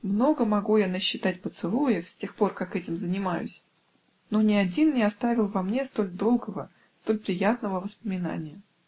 Много могу я насчитать поцелуев, С тех пор, как этим занимаюсь, но ни один не оставил во мне столь долгого, столь приятного воспоминания.